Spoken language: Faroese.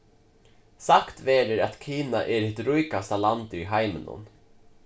sagt verður at kina er hitt ríkasta landið í heiminum